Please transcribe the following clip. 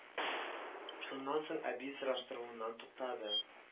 Шуннан соң әби сораштыруыннан туктады